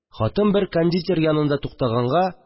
Хатын бер кондитер янында туктаганга